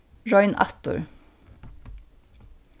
royn aftur